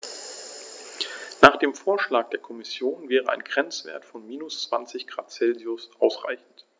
Nach dem Vorschlag der Kommission wäre ein Grenzwert von -20 ºC ausreichend.